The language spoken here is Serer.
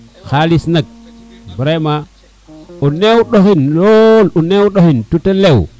xalis nak vraiment o neew ndaxin lool o neew ndaxin toto lew